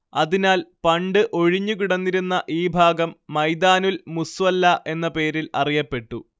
അതിനാൽ പണ്ട് ഒഴിഞ്ഞുകിടന്നിരുന്ന ഈ ഭാഗം മൈദാനുൽ മുസ്വല്ല എന്ന പേരിൽ അറിയപ്പെട്ടു